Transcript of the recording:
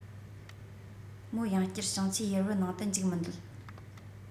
མོ ཡང བསྐྱར བཤངས ཆུའི ཡུར བུ ནང དུ འཇུག མི འདོད